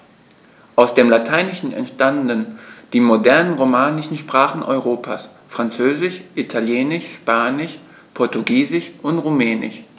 Aus dem Lateinischen entstanden die modernen „romanischen“ Sprachen Europas: Französisch, Italienisch, Spanisch, Portugiesisch und Rumänisch.